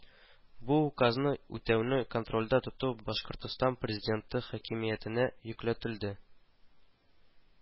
Бу Указны үтәүне контрольдә тоту Башкортстан Президенты Хакимиятенә йөкләтелде